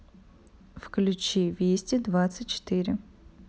включи вести двадцать четыре